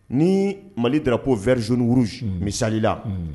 Ni mali taara ko vrizoniuru misalila